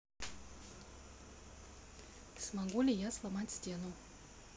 смогу ли я сломать стену